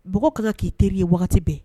Mɔgɔ ka kan ki teri ye waati bɛɛ.